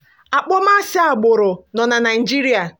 akpọmasị agbụrụ nọ na Naịjirịa